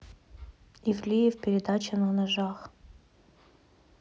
ивлиев передача на ножах